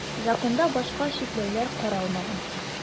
Законда башка чикләүләр каралмаган.